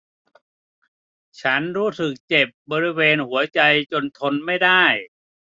ฉันรู้สึกเจ็บบริเวณหัวใจจนทนไม่ได้